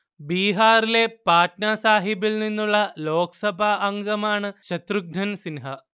ബീഹാറിലെ പാട്ന സാഹിബിൽ നിന്നുള്ള ലോക്സഭാംഗമാണ് ശത്രുഘ്നൻ സിൻഹ